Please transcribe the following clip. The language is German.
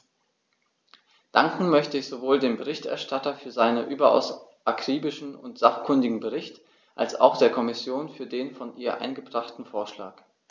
Danken möchte ich sowohl dem Berichterstatter für seinen überaus akribischen und sachkundigen Bericht als auch der Kommission für den von ihr eingebrachten Vorschlag.